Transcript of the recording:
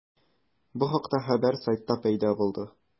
Бу хакта хәбәр сайтта пәйда булды.